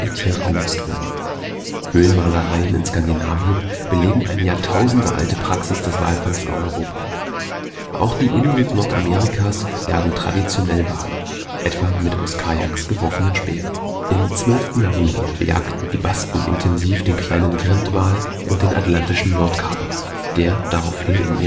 Tiere genutzt wurden. Höhlenmalereien in Skandinavien belegen eine jahrtausendealte Praxis des Walfangs in Europa. Auch die Inuit Nordamerikas jagen traditionell Wale, etwa mit aus Kajaks geworfenen Speeren. Im 12. Jahrhundert bejagten die Basken intensiv den kleinen Grindwal und den Atlantischen Nordkaper, der daraufhin